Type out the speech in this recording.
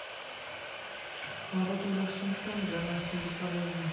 но от этого легче не станет для нас ты бесполезна